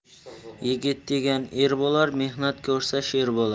yigit degan er bo'lar mehnat ko'rsa sher bo'lar